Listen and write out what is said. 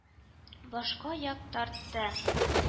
Башка як тартты